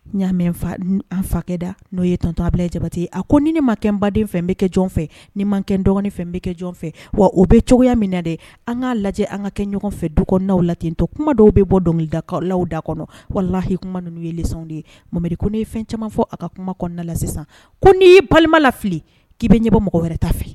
N yamɛ fa an fakɛda n'o ye tɔntɔbila jabate a ko ni ni makɛ n baden fɛn bɛ kɛ jɔn fɛ ni makɛ dɔgɔnin fɛn bɛ kɛ jɔn fɛ wa o bɛ cogoyaya min na dɛ an kaa lajɛ an ka kɛ ɲɔgɔn fɛ du kɔnɔ'aw la tentɔ kuma dɔw bɛ bɔ dɔnkilidakawlaw da kɔnɔ wala lahik ninnu yew de ye marikun ne ye fɛn caman fɔ a ka kuma kɔnɔna la sisan ko n'i y'i balima lafifili k'i bɛ ɲɛbɔ mɔgɔ wɛrɛ ta fɛ